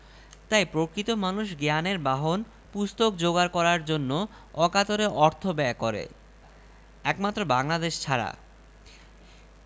কিন্তু লাইব্রেরিটা যে কায়দায় গড়ে তুলেছি শেলফ তো আর সে কায়দায় যোগাড় করতে পারি নে শেলফ তো আর বন্ধুবান্ধবের কাছ থেকে ধার চাওয়া যায় না